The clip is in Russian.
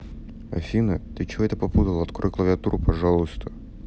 афина ты чего это попутал открой клавиатуру пожалуйста